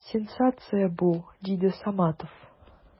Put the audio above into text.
Сенсация бу! - диде Саматов.